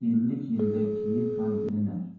yildan keyin ham bilinar